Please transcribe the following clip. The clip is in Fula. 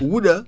wuuɗa